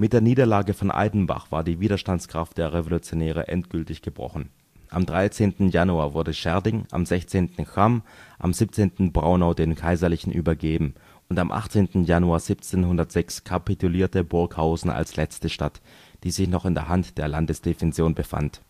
der Niederlage von Aidenbach war die Widerstandskraft der Revolutionäre endgültig gebrochen. Am 13. Januar wurde Schärding, am 16. Cham, am 17. Braunau den Kaiserlichen übergeben und am 18. Januar 1706 kapitulierte Burghausen als letzte Stadt, die sich noch in der Hand der Landesdefension befand